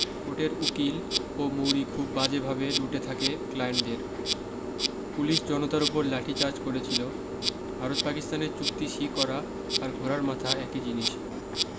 কোটের উকিল ও মৌরি খুব বাজে ভাবে লুটে থাকে ক্লায়েন্ট দের পুলিশ জনতার উপর লাঠি চার্জ করে ছিল ভারত পাকিস্তানের চুক্তি সি করা আর ঘোড়ার মাথা একি জিনিস